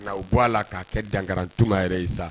Na o bɔ a la k'a kɛ dankaratuma yɛrɛ ye sa.